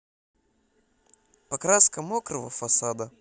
покраска мокрого фасада